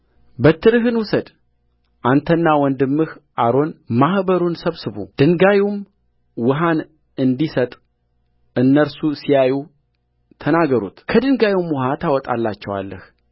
በትርህን ውሰድ አንተና ወንድምህ አሮን ማኅበሩን ሰብስቡ ድንጋዩም ውኃን እንዲሰጥ እነርሱ ሲያዩ ተናገሩት ከድንጋዩም ውኃ ታወጣላቸዋለህ